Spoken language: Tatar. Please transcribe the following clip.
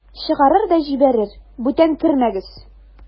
Чыгарыр да җибәрер: "Бүтән кермәгез!"